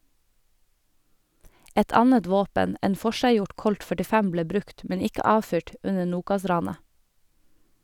Et annet våpen, en forseggjort colt 45, ble brukt, men ikke avfyrt, under Nokas-ranet.